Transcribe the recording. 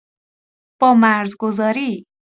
با مرزگذاری